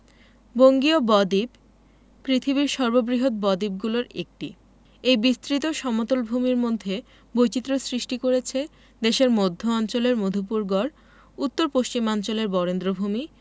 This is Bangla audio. বঙ্গীয় বদ্বীপ পৃথিবীর সর্ববৃহৎ বদ্বীপগুলোর একটি এই বিস্তৃত সমতল ভূমির মধ্যে বৈচিত্র্য সৃষ্টি করেছে দেশের মধ্য অঞ্চলের মধুপুর গড় উত্তর পশ্চিমাঞ্চলের বরেন্দ্রভূমি